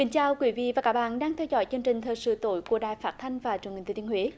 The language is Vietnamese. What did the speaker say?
kính chào quý vị và các bạn đang theo dõi chương trình thời sự tối của đài phát thanh và truyền hình thừa thiên huế